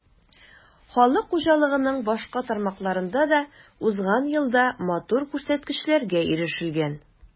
Халык хуҗалыгының башка тармакларында да узган елда матур күрсәткечләргә ирешелгән.